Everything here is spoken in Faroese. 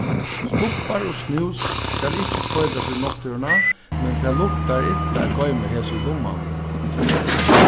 stubbar og snús skal ikki tveitast í náttúruna men tað luktar illa at goyma hesi í lummanum